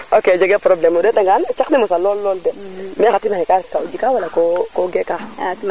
ok jege probleme o ndet ngan caq ne mosa lool lol de mais xa timaxe k ref ka o jika wala ko geeka